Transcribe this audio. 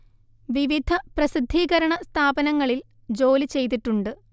വിവിധ പ്രസിദ്ധീകരണ സ്ഥാപനങ്ങളിൽ ജോലി ചെയ്തിട്ടുണ്ട്